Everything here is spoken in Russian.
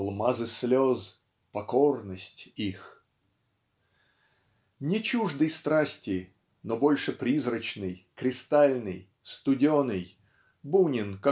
Алмазы слез - покорность их. Не чуждый страсти но больше прозрачный кристальный студеный Бунин